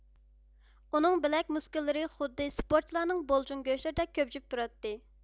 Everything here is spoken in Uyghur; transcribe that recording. ئۇنىڭ بىلەك مۇسكۇللىرى خۇددى سپورتچىلارنىڭ بۇلجۇڭ گۆشلىرىدەك كۆبجۈپ تۇراتتى